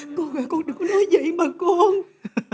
con à con đừng có nói dậy mà con